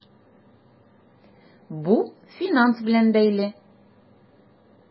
Бу финанс белән бәйле.